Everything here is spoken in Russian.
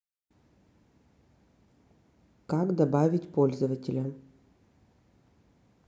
как добавить пользователя